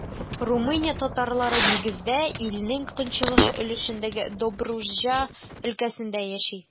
Румыния татарлары, нигездә, илнең көнчыгыш өлешендәге Добруҗа өлкәсендә яши.